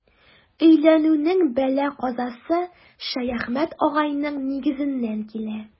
Өйләнүнең бәла-казасы Шәяхмәт агайның нигезеннән килә.